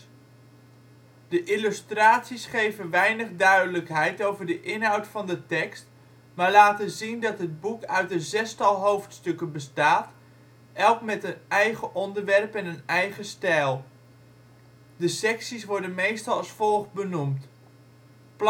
illustraties geven weinig duidelijkheid over de inhoud van de tekst, maar laten zien dat het boek uit een zestal hoofdstukken bestaat, elk met eigen onderwerpen en een eigen stijl. De secties worden meestal als volgt benoemd. Plantkundig